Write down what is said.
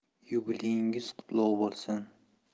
yubileyingiz qutlug' bo'lsin